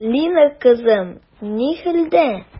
Лина кызым ни хәлдә?